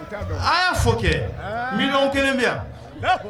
A y'a fɔ kɛ mi kelen bɛ yan